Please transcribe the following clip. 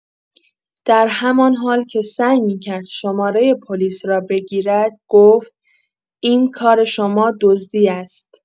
در همان حال که سعی می‌کرد شماره پلیس را بگیرد، گفت: «این کار شما دزدی است.»